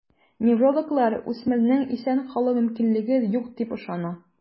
Неврологлар үсмернең исән калу мөмкинлеге юк диеп ышана.